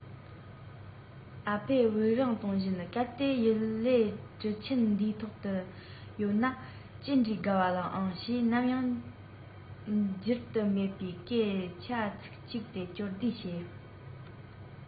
ཨ ཕས དབུགས རིང གཏོང བཞིན གལ ཏེ ཡུ ལེ གྲུ ཆེན འདིའི ཐོག ཏུ ཡོད ན ཇི འདྲའི དགའ བ ལ ཨང ཞེས ནམ ཡང འགྱུར དུ མེད པའི སྐད ཆ ཚིག གཅིག དེ བསྐྱར ཟློས བྱེད